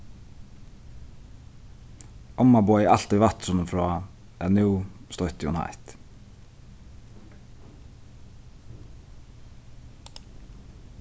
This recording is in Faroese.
omma boðaði altíð vættrunum frá at nú stoytti hon heitt